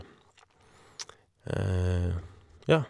Ja.